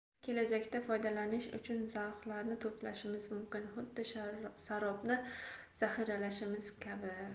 biz kelajakda foydalanish uchun zavqlarni to'plashimiz mumkin xuddi sharobni zaxiralashimiz kabi